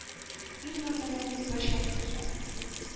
Ил гомренең тик бер чаткысы,